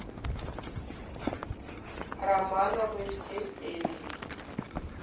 романовы все серии